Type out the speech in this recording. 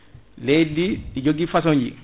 leydi ndi ɗi joogui façon ji